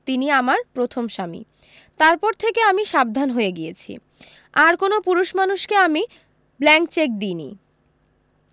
তিনি আমার প্রথম স্বামী তারপর থেকে আমি সাবধান হয়ে গিয়েছি আর কোন পুরুষ মানুষকে আমি বল্যাংক চেক দিইনি